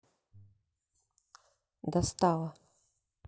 достала